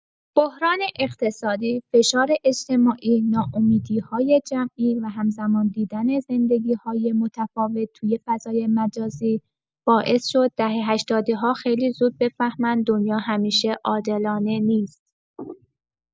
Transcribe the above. بحران اقتصادی، فشار اجتماعی، ناامیدی‌های جمعی و هم‌زمان دیدن زندگی‌های متفاوت توی فضای مجازی، باعث شد دهه‌هشتادی‌ها خیلی زود بفهمن دنیا همیشه عادلانه نیست.